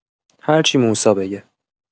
هرچی موسی بگه